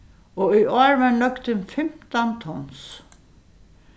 og í ár varð nøgdin fimtan tons